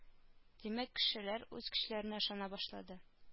Димәк кешеләр үз көчләренә ышана башлады